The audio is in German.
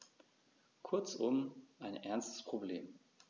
Kurzum, ein ernstes Problem.